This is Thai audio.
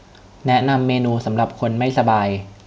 แนะนำเมนูสำหรับคนไม่สบาย